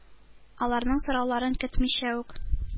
Аларның сорауларын көтмичә үк,